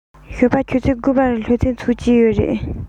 ཞོགས པ ཆུ ཚོད དགུ པར སློབ ཚན ཚུགས ཀྱི ཡོད རེད